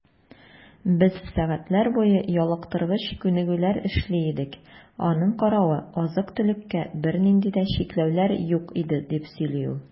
Без сәгатьләр буе ялыктыргыч күнегүләр эшли идек, аның каравы, азык-төлеккә бернинди дә чикләүләр юк иде, - дип сөйли ул.